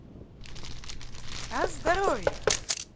о здоровье